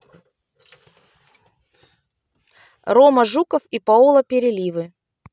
рома жуков и паола переливы